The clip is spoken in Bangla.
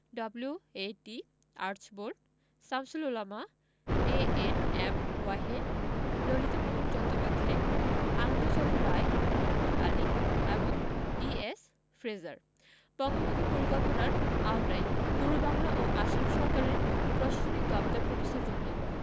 W A T. Archbold Shamsul Ulama A N M Wahed Lalitmohan Chattopadhyay Anandachandra Roy Mohammad Ali এবং ডি.এস. ফ্রেজার বঙ্গভঙ্গ পরিকল্পনার আওতায় পূর্ববাংলা ও আসাম সরকারের প্রশাসনিক দপ্তর প্রতিষ্ঠার জন্য